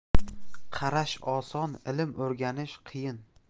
qarish oson ilm o'rganish qiyin